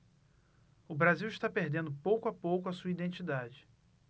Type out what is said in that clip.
o brasil está perdendo pouco a pouco a sua identidade